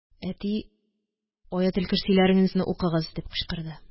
Әти: – «Аятел-Көрси»ләреңезне укыңыз! – дип кычкырды